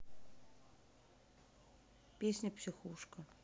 песня психушка